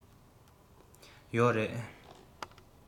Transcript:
ཡོད རེད